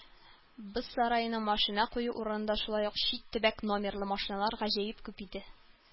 Боз сараеның машина кую урынында шулай ук чит төбәк номерлы машиналар да гаҗәеп күп иде.